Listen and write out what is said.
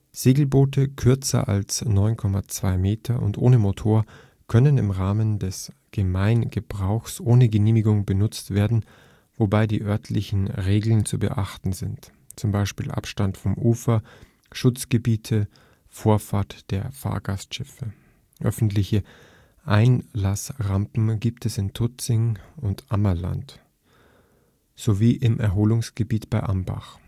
Segelboote kürzer als 9,20 m und ohne Motor können im Rahmen des Gemeingebrauchs ohne Genehmigung benutzt werden, wobei die örtlichen Regeln zu beachten sind (z. B. Abstand zum Ufer, Schutzgebiete, Vorfahrt der Fahrgastschiffe). Öffentliche Einlassrampen gibt es in Tutzing und Ammerland (ohne Parkmöglichkeit) sowie im Erholungsgebiet bei Ambach